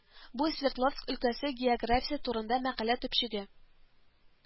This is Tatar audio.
Бу Свердловск өлкәсе географиясе турында мәкалә төпчеге